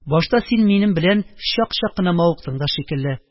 Башта син минем белән чак-чак кына мавыктың да шикелле